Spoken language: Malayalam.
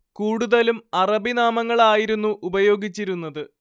കൂടുതലും അറബി നാമങ്ങൾ ആയിരുന്നു ഉപയോഗിച്ചിരുന്നത്